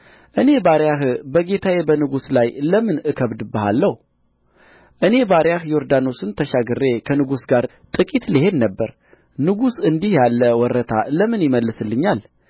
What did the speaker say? እኔ ባሪያህ በጌታዬ በንጉሡ ላይ ለምን እከብድብሃለሁ እኔ ባሪያህ ዮርዳኖስን ተሻግሬ ከንጉሡ ጋር ጥቂት ልሄድ ነበር ንጉሡ እንዲህ ያለ ወረታ ለምን ይመልስልኛል